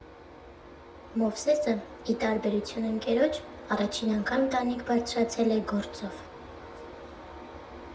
Մովսեսը, ի տարբերություն ընկերոջ, առաջին անգամ տանիք բարձրացել է «գործով»։